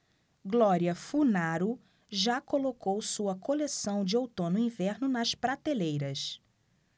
glória funaro já colocou sua coleção de outono-inverno nas prateleiras